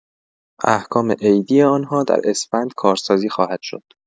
احکام عیدی آن‌ها در اسفند کارسازی خواهد شد.